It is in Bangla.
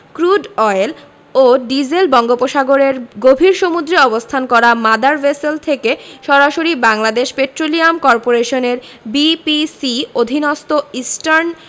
ক্রুড অয়েল ও ডিজেল বঙ্গোপসাগরের গভীর সমুদ্রে অবস্থান করা মাদার ভেসেল থেকে সরাসরি বাংলাদেশ পেট্রোলিয়াম করপোরেশনের বিপিসি অধীনস্থ ইস্টার্ন